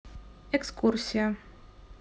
экскурсия